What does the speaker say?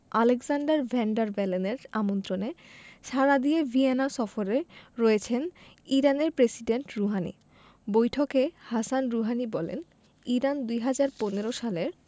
Alexander van der বেলেনের আমন্ত্রণে সাড়া দিয়ে ভিয়েনা সফরে রয়েছেন ইরানের প্রেসিডেন্ট রুহানি বৈঠকে হাসান রুহানি বলেন ইরান ২০১৫ সালের